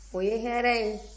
o ye hɛrɛ ye